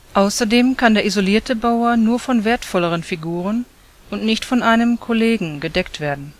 Außerdem kann der isolierte Bauer nur von wertvolleren Figuren und nicht von einem „ Kollegen “gedeckt werden